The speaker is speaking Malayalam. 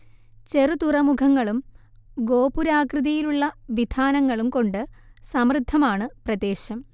ചെറുതുറമുഖങ്ങളും ഗോപുരാകൃതിയിലുള്ള വിധാനങ്ങളും കൊണ്ട് സമൃദ്ധമാണ് പ്രദേശം